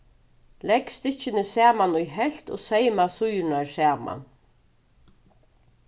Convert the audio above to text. legg stykkini saman í helvt og seyma síðurnar saman